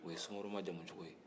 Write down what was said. o ye sumaworo majamu cogo